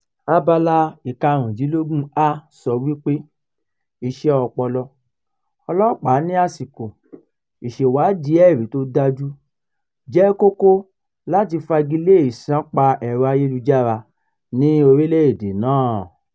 Abala 15a sọ wípé “iṣẹ́ ọpọlọ” ọlọ́pàá ní àsìkò "ìṣèwádìí ẹ̀rí tó dájú" jẹ́ kókó láti fagilé ìṣánpá ẹ̀rọ ayélujára ní orílẹ̀ èdè náà.